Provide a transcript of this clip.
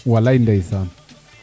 walaay ndeysaan